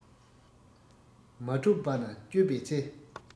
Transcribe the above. མ གྲུབ པ ན དཔྱོད པའི ཚེ